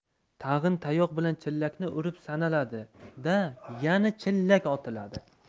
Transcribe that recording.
tag'in tayoq bilan chillakni urib sanaladi da yana chillak otiladi